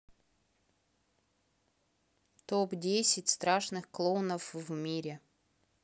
топ десять страшных клоунов в мире